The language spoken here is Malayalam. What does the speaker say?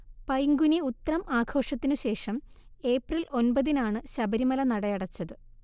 പൈങ്കുനി ഉത്രം ആഘോഷത്തിനുശേഷം ഏപ്രിൽ ഒൻപതിനാണ് ശബരിമല നടയടച്ചത്